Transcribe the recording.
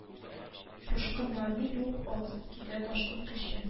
Юшкыннарны юып агызып китә ташкын көче